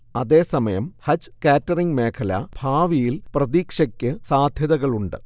അതേസമയം ഹജജ് കാറ്ററിംഗ് മേഖല ഭാവിയിൽ പ്രതീക്ഷക്ക് സാധ്യതകളുണ്ട്